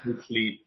Lyfli